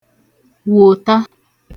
wòta